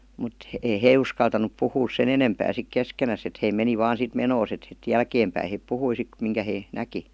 mutta ei he uskaltanut puhua sen enempää sitten keskenään että he meni vain sitten menoaan että sitten jälkeen päin he puhui sitten minkä he näki